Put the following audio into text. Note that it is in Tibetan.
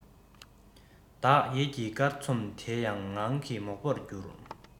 བདག ཡིད ཀྱི སྐར ཚོམ དེ ཡང ངང གིས མོག པོར གྱུར